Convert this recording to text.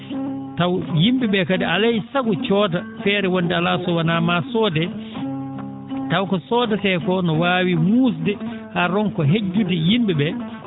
taw yim?e ?e kadi alaa e sago cooda feere wonde alaa so wonaa maa soodee taw ko soodatee koo no waawi muusde haa ronka hejjude yim?e ?ee